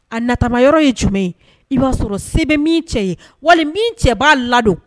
A natama yɔrɔ ye jumɛn ye i b'a sɔrɔ se bɛ min cɛ ye wali min cɛ b'a ladon